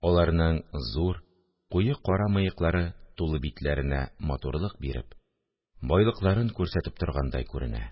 Аларның зур куе кара мыеклары тулы битләренә матурлык биреп, байлыкларын күрсәтеп торгандай күренә